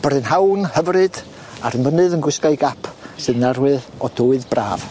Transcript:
Brynhawn hyfryd a'r mynydd yn gwisgo'i gap sy'n arwydd o dwydd braf.